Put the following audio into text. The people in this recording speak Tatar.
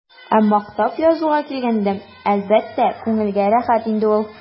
Ә мактап язуга килгәндә, әлбәттә, күңелгә рәхәт инде ул.